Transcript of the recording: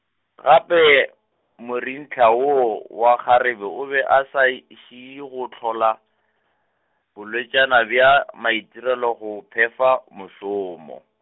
gape morentha woo wa kgarebe o be a sa i, i šie go hlola , bolwetšana bja maitirelo go phefa mošomo.